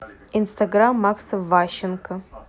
инстаграм макса ващенко